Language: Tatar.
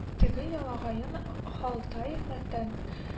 Теге елагаен Халтаев мәктән